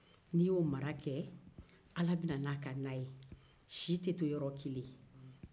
n'i y'o mara kɛ ala bɛ na n'a ka na ye si tɛ to yɔrɔ kelen